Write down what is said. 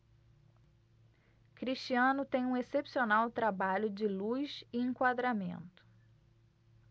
cristiano tem um excepcional trabalho de luz e enquadramento